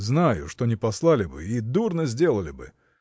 — Знаю, что не послали бы, и дурно сделали бы.